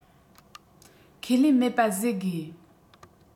ཁས ལེན མེད པ བཟོས དགོ